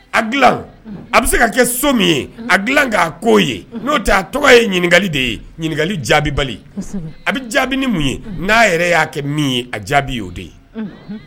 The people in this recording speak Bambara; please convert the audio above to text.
A dila a bɛ se ka kɛ so min ye a dila k' koo ye n'o a tɔgɔ ye ɲininkaka de ye ɲininkali jaabi bali a bɛ jaabi ni mun ye n'a yɛrɛ y'a kɛ min ye a jaabi oo de ye